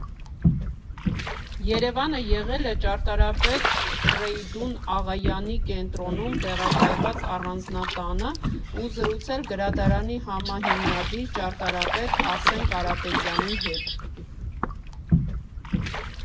ԵՐԵՎԱՆը եղել է ճարտարապետ Ֆրեյդուն Աղայանի կենտրոնում տեղակայված առանձնատանը ու զրուցել գրադարանի համահիմնադիր, ճարտարապետ Արսեն Կարապետյանի հետ։